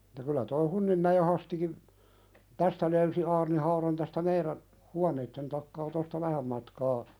että kyllä tuo Hunninmäen Hastikin tästä löysi aarnihaudan tästä meidän huoneiden takaa tuosta vähän matkaa